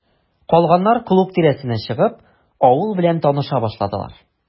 Калганнар, клуб тирәсенә чыгып, авыл белән таныша башладылар.